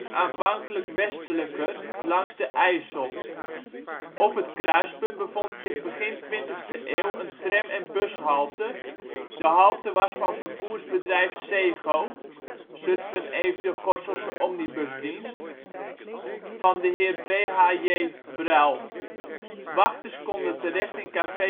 aanvankelijk westelijker, langs de IJssel. Op het kruispunt bevond zich begin 20e eeuw een tram -/ bushalte. De halte was van vervoersbedrijf Z.E.G.O. (Zutphen-Eefde-Gorsselse Omnibusdienst) van de heer B.H.J. Bruil. Wachters konden terecht in café